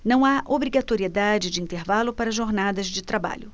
não há obrigatoriedade de intervalo para jornadas de trabalho